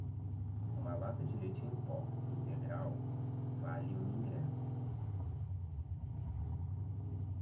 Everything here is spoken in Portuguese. uma lata de leite em pó integral vale um ingresso